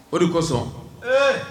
O de kosɔn ee